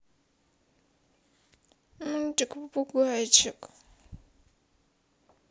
мультик попугайчик